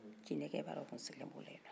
jinɛkɛba dɔ tun sigilen bɔ la yen